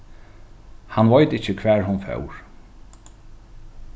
hann veit ikki hvar hon fór